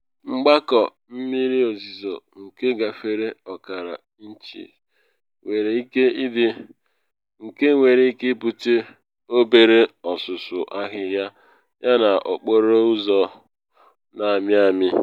Mgbakọ mmiri ozizo nke gafere ọkara inchi nwere ike ịdị, nke nwere ike ibute obere ọsụsọ ahịhịa yana okporo ụzọ na amị amị.